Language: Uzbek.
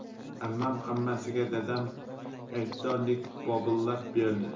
ammam hammasiga dadam aybdordek bobillab berdi